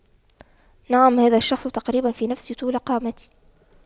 نعم هذا الشخص تقريبا في نفس طول قامتي